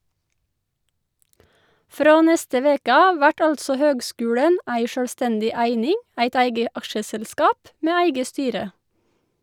Frå neste veke av vert altså høgskulen ei sjølvstendig eining, eit eige aksjeselskap med eige styre.